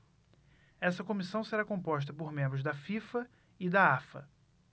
essa comissão será composta por membros da fifa e da afa